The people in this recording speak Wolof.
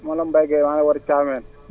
man la Mbaye Gaye maa ngi wootee Thiamène